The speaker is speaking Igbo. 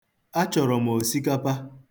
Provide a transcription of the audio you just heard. Achọrọ m osikpa.